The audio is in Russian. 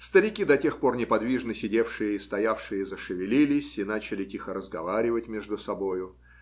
Старики, до тех пор неподвижно сидевшие и стоявшие, зашевелились и начали тихо разговаривать между собою.